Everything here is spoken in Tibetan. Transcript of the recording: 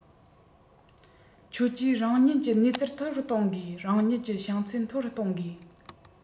ཁྱོད ཀྱིས རང ཉིད ཀྱི ནུས རྩལ མཐོ རུ གཏོང དགོས རང ཉིད ཀྱི བྱང ཚད མཐོ རུ གཏོང དགོས